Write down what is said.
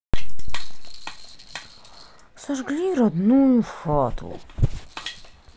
сожгли родную хату